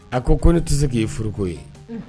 A ko ko ne tɛ se k' ye furuko ye